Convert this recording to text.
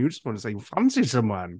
You just wanna say you fancy someone!